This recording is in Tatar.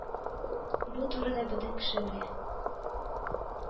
Бу турыда бөтен кеше белә